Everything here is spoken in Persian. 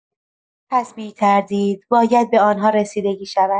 پس بی‌تردید باید به آن‌ها رسیدگی شود.